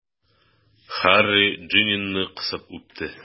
Һарри Джиннины кысып үпте.